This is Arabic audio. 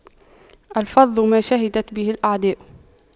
الفضل ما شهدت به الأعداء